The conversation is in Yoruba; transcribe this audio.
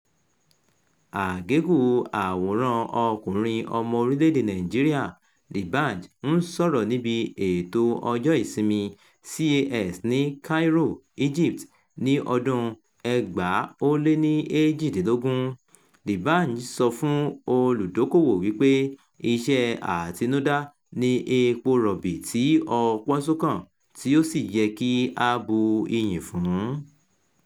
Àgékù àwòrán ọ̀kọrin ọmọ orílẹ̀-èdèe Nàìjíríà D'banj ń sọ̀rọ̀ níbi ètò Ọjọ́ Ìsinmi CAX ní Cairo, Egypt, ọdún-un 2018. Dbanj sọ fún olùdókoòwò wípé “iṣẹ́ àtinúdá ni epo rọ̀bì tí ọpọ́n sún kàn” tí ó sì yẹ kí a bu ìyìn fún.